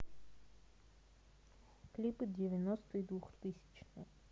клипы девяностые двухтысячные